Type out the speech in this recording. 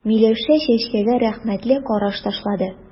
Миләүшә Чәчкәгә рәхмәтле караш ташлады.